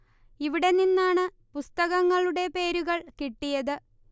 ഇവിടെ നിന്നാണ് പുസ്തകങ്ങളുടെ പേരുകൾ കിട്ടിയത്